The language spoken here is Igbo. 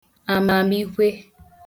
àmàmikwhe